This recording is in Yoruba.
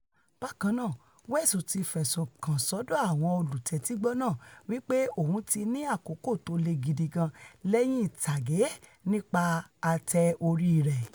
Bákannáà, West ti fẹ̀sùn kan sọ́dọ̀ àwọn olùtẹ́tígbọ́ náà wí pé òun ti ní àkókò tóle gidi kan lẹ́yìn ìtàgé nípa ate-ori rẹ̀.